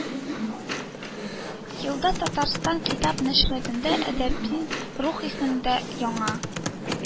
Елда татарстан китап нәшриятында әдипнең «рух» исемендә яңа